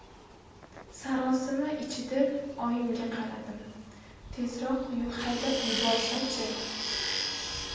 sarosima ichida oyimga qaradim tezroq haydab yuborsa chi